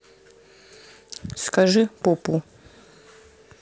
скажи попу